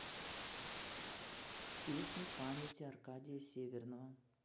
песни памяти аркадия северного